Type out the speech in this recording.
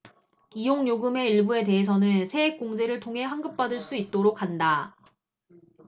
이용요금의 일부에 대해서는 세액공제를 통해 환급받을 수 있도록 한다